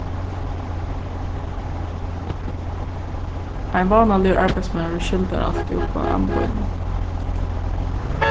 ein vánaligur arbeiðsmaður skyldar altíð upp á amboðini